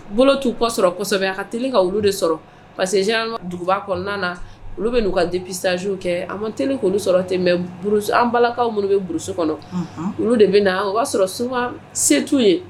Bolo t'u kɔ sɔrɔ kosɛbɛ a ka teli ka olu de sɔrɔ parce que généralement duguba kɔnɔna na olu bɛ n'u ka dépitages kɛ a man teli k'olu sɔrɔ ten mais brousse an balakaw minnu brousse kɔnɔ, unhun, olu de bɛ na o b'a sɔrɔ souvent se t'u ye